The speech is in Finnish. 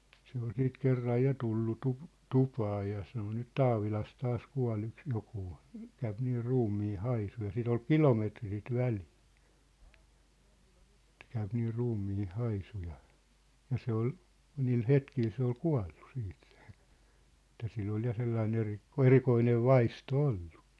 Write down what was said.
se oli sitten kerran ja tullut - tupaan ja sanoi nyt Taavilassa taas kuolee yksi joku käy niin ruumiin haisu ja sitä oli kilometri sitä väliä että käy niin ruumiin haisu ja ja se oli niillä hetkillä se oli kuollut sitten se että sillä oli ja sellainen - erikoinen vaisto ollut